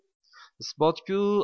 isbot ku